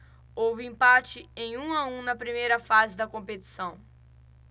houve empate em um a um na primeira fase da competição